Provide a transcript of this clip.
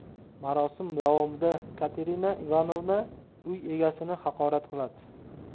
marosim davomida katerina ivanovna uy egasini haqorat qiladi